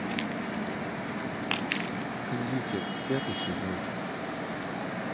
кондитер пятый сезон